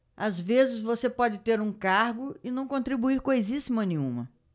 às vezes você pode ter um cargo e não contribuir coisíssima nenhuma